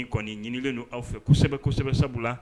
Ni kɔni ɲinilen n ni aw fɛ kosɛbɛ kosɛbɛ sabu la